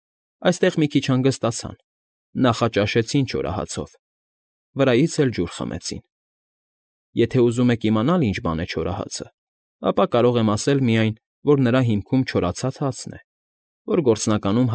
Այստեղ մի քիչ հանգստացան, նախաճաշեցին չորահացով, վրայից էլ ջուր խմեցին։ (Եթե ուզում եք իմանալ ինչ բան է չորահացը, ապա կարող եմ ասել միայն, որ նրա հիմքում չորացած հացն է, որ գործանակնում։